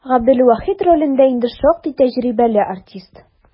Габделвахит ролендә инде шактый тәҗрибәле артист.